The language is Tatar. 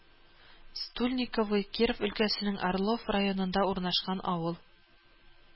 Стульниковы Киров өлкәсенең Орлов районында урнашкан авыл